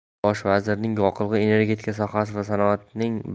bosh vazirning yoqilg'i energetika sohasi va sanoatning